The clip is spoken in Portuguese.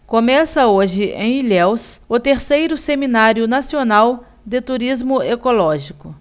começa hoje em ilhéus o terceiro seminário nacional de turismo ecológico